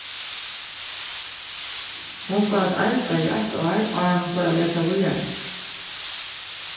hon fór at arbeiða í eitt ár áðrenn hon fór at lesa víðari